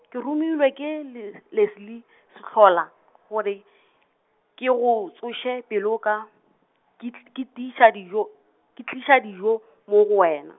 ke romilwe ke Les-, Leslie Sehlola , gore, ke go tsoše pele o ka, ke tl-, ke tiiša dijo, ke tliša dijo mo go wena.